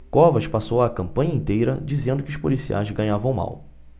covas passou a campanha inteira dizendo que os policiais ganhavam mal